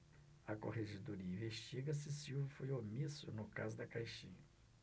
a corregedoria investiga se silva foi omisso no caso da caixinha